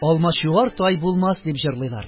- алмачуар тай булмас, - дип җырлыйлар.